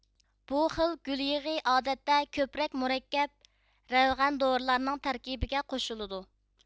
بۇ خىل گۈل يېغى ئادەتتە كۆپرەك مۇرەككەپ رەۋغەن دورىلارنىڭ تەركىبىگە قوشۇلىدۇ